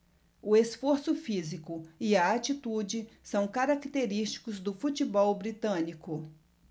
o esforço físico e a atitude são característicos do futebol britânico